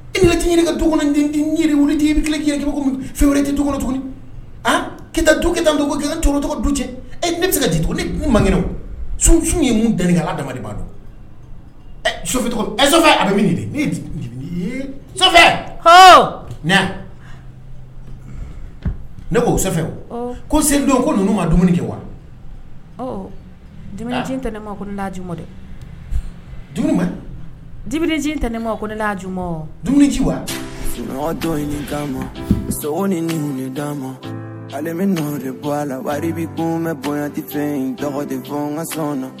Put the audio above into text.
I tɛ du wuli i bɛ fi tɛ dukɔnɔ tuguni a kiyitata dukida dugu ki tɔɔrɔ tɔgɔ du cɛ e ka di tuguni mag sunsiw ye mun tɛ ka ala daba don sofɛ e so ne b' oo ko sendon ko ninnu ma dumuni kɛ wa tɛ ne ma ko ne n'aji dɛ dumuni dibi tɛ ne ma ko ne'a ju dumji wa dɔn' ma so o ni d'a ma ale bɛ numu bɔ a la wari bɛ bɔ bɛ bo tɛfɛn dɔn ka siran na